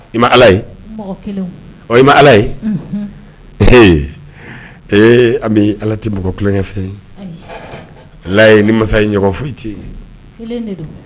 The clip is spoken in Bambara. I ma ala ye i ma ala ye an bɛ ala tɛ mɔgɔ tulonkɛ fɛ ala ye ni masa ye ɲɔgɔn foyi i tɛ ye